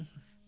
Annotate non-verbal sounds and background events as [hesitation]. [hesitation] [hesitation]